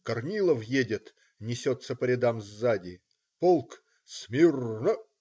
Корнилов едет!" - несется по рядам сзади. "Полк, смирно!